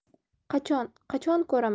qachon qachon ko'raman